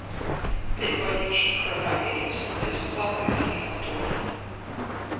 переболевшим коронавирусом бесплатный санаторий